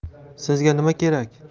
sizga nima kerak